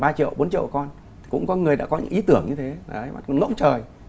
ba triệu bốn triệu con cũng có người đã có những ý tưởng như thế ấy ngỗng trời